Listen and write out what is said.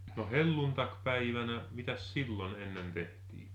no helluntaipäivänä mitäs silloin ennen tehtiin